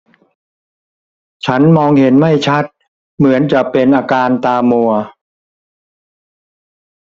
ฉันมองเห็นไม่ชัดเหมือนจะเป็นอาการตามัว